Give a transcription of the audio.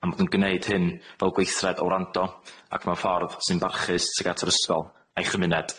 A'n bod yn gneud hyn fel gweithred o wrando, ac mewn ffordd sy'n barchus tuag at yr ysgol a'i chymuned.